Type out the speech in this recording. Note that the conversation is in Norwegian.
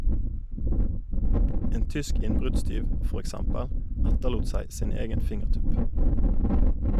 En tysk innbruddstyv, for eksempel, etterlot seg sin egen fingertupp.